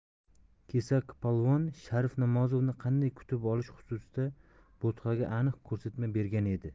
kesakpolvon sharif namozovni qanday kutib olish xususida bo'tqaga aniq ko'rsatma bergan edi